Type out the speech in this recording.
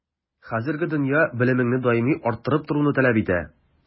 Хәзерге дөнья белемеңне даими арттырып торуны таләп итә.